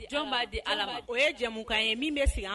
Di ala o ye jamumu ka ye min bɛ